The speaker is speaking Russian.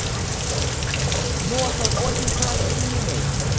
bottom очень красиво